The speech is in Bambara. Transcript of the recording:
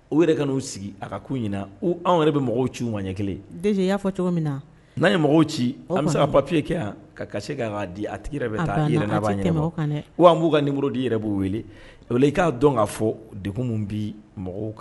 U yɛrɛ ka n'u sigi a ka k'u ɲɛna ou anw yɛrɛ bɛ mɔgɔw ci u ma ɲɛ kelen ye, DG i y'a fɔ cogo min na n'an ye mɔgɔw ci an bɛ se ka papier kɛ yan ka se k'a di a tigi yɛrɛ bɛ taa yɛrɛ ou b'u ka numéro di i yɛrɛ b'u wele o la i k'a dɔn k'a fɔ degun min bɛ mɔgɔw kan